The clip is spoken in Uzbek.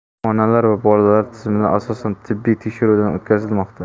onalar va bolalar tizimli asosda tibbiy tekshiruvdan o'tkazilmoqda